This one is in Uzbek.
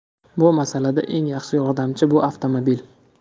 bu masalada eng yaxshi yordamchi bu avtomobil